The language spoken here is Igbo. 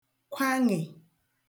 kwaṅè